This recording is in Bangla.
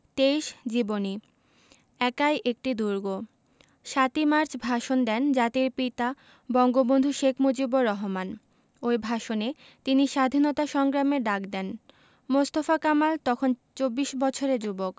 ২৩ জীবনী একাই একটি দুর্গ ৭ই মার্চ ভাষণ দেন জাতির পিতা বঙ্গবন্ধু শেখ মুজিবুর রহমান ওই ভাষণে তিনি স্বাধীনতা সংগ্রামের ডাক দেন মোস্তফা কামাল তখন চব্বিশ বছরের যুবক